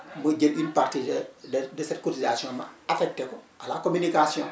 mooy jël une partie de cette cotisation ma affecté ko à la communication